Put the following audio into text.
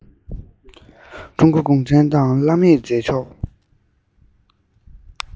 ཀྲུང གོ གུང ཁྲན ཏང གི བླ མེད མཛད ཕྱོགས